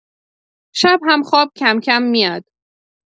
شب هم خواب کم‌کم میاد.